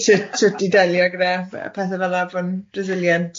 Shwt shwt i delio gyda yy pethe fel'a yy bo'n resilient?